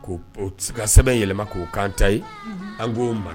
Ko ka sɛbɛn yɛlɛma k'o kan ta ye an k'o mara